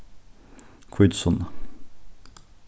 hvítusunna